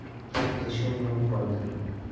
зачем ему панцирь